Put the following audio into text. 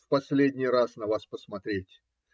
в последний раз на вас посмотреть.